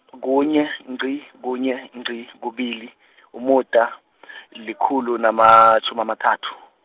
kunye, ngci, kunye, ngci, kubili, umuda , likhulu namatjhumi amathathu.